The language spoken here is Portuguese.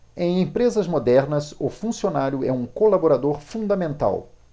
em empresas modernas o funcionário é um colaborador fundamental